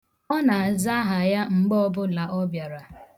Ọ na-aza aha ya mgbe ọbụla ọ bịara.